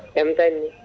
jaam tanni